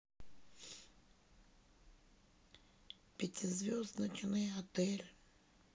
пятизвездочный отель